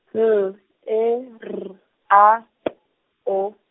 L, E, R, A, P, O.